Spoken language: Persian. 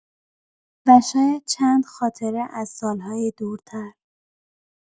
و شاید چند خاطره از سال‌های دورتر.